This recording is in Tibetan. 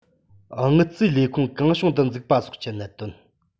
དངུལ རྩའི ལས ཁུངས གང བྱུང དུ འཛུགས པ སོགས ཀྱི གནད དོན